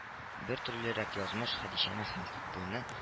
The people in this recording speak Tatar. Бертөрлерәк язмыш Хәдичәне һәм Котбыйны